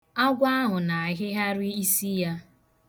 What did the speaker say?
Agwọ ahụ na-ahịgharị isi ya.